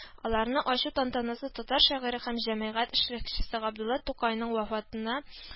Аларны ачу тантанасы татар шагыйре һәм җәмәгать эшлекчесе Габдулла Тукайның вафатына